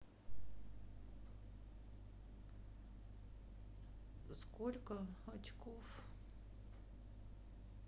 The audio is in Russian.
сколько очков